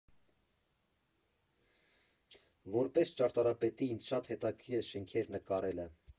Որպես ճարտարապետի՝ ինձ շատ հետաքրքիր է շենքեր նկարելը։